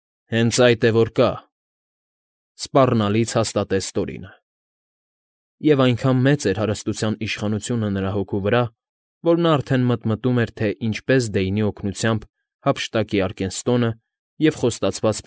Հենց այդ է որ կա,֊ սպառնալից հաստատեց Տորինը. և այնքան մեծ էր հարստության իշխանությունը նրա հոգու վրա, որ նա արդեն մտմտում էր, թե ինչպես Դեյնի օգնությամբ հափշտակի Արկենստոնը և խոստացած։